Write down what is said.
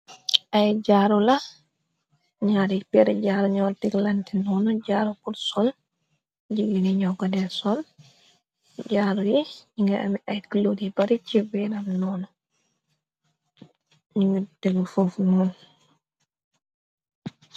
Ay jaaru la ñaaryi per jaaru ñoo tëg lante noonu jaaru pur sol jigi ni ñoo ko den soon jaaru yi ñi nga ami ay cloti bare ci beeram noonu ñu ngu tegg foofu nun.